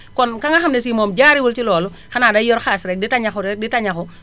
kon ka nga xam ne si moom jaarewul si loolu xanaa day yor xaalis rekk di tañaxu rekk di tañaxu